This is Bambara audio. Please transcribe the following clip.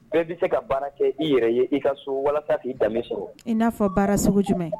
Bɛɛ bi se ka baara kɛ i yɛrɛ ye i ka so walasa k'i danbe sɔrɔ i n'a fɔ baara sugu jumɛn